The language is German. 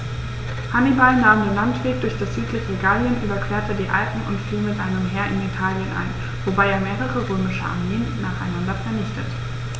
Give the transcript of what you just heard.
Hannibal nahm den Landweg durch das südliche Gallien, überquerte die Alpen und fiel mit einem Heer in Italien ein, wobei er mehrere römische Armeen nacheinander vernichtete.